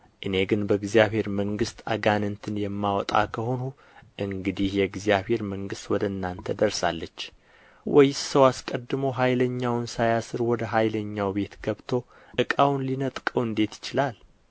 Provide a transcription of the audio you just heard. እኔ ግን በእግዚአብሔር መንፈስ አጋንንትን የማወጣ ከሆንሁ እንግዲህ የእግዚአብሔር መንግሥት ወደ እናንተ ደርሳለች ወይስ ሰው አስቀድሞ ኃይለኛውን ሳያስር ወደ ኃይለኛው ቤት ገብቶ እቃውን ሊነጥቀው እንዴት ይችላል